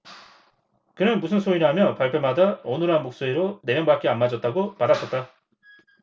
그는 무슨 소리냐며 발뺌하다 어눌한 목소리로 네 명밖에 안 만졌다고 받아쳤다